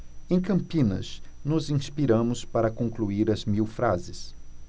em campinas nos inspiramos para concluir as mil frases